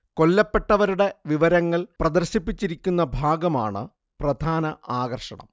കൊല്ലപ്പെട്ടവരുടെ വിവരങ്ങൾ പ്രദർശിപ്പിച്ചിരിക്കുന്ന ഭാഗമാണ് പ്രധാന ആകർഷണം